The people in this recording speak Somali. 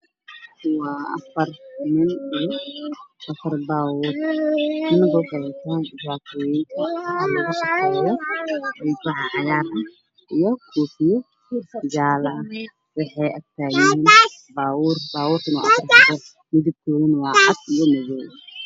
Waa afar baabuur oo waaweyn midabkoodu cad yahay waxaa ag jooga afar nin oo wataan shaatiyo cagaarka oo fiican